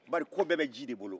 bari ko bɛɛ bɛ ji de bolo